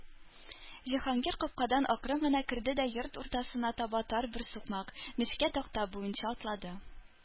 Җиһангир капкадан акрын гына керде дә йорт уртасына таба тар бер сукмак—нечкә такта буенча атлады.